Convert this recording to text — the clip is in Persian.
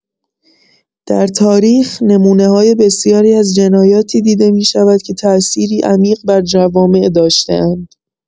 در تاریخ، نمونه‌های بسیاری از جنایاتی دیده می‌شود که تاثیری عمیق بر جوامع داشته‌اند.